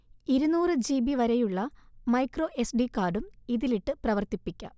ഇരുന്നൂറ് ജിബി വരെയുളള micro S D കാർഡും ഇതിലിട്ട് പ്രവർത്തിപ്പിക്കാം